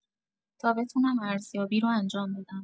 تا بتونم ارزیابی رو انجام بدم.